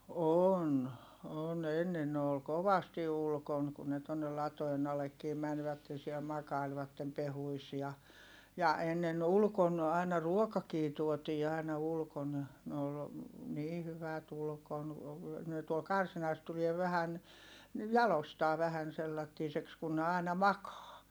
on on ennen ne oli kovasti ulkona kun ne tuonne latojen allekin menivät siellä makailivat pehkuissa ja ja ennen ulkona aina ruokakin tuotiin aina ulkona ne oli niin hyvät ulkona ne tuolla karsinassa tulee vähän niin jaloistaan vähän sellaisiksi kun ne aina makaa